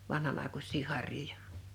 vanhan aikuisia harjoja